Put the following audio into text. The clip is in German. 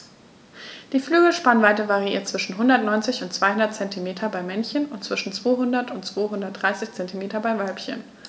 Die Flügelspannweite variiert zwischen 190 und 210 cm beim Männchen und zwischen 200 und 230 cm beim Weibchen.